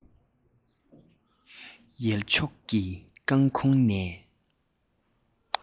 ཡལ ཕྱོགས ཀྱི སྐར ཁུང ནས